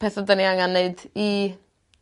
petha 'dyn ni angan neud i